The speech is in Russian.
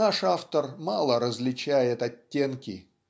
Наш автор мало различает оттенки.